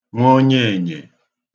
nwonyenyè